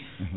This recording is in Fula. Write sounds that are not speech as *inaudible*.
*hesitation* *hesitation*